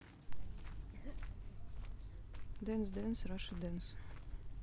дэнс дэнс раша дэнс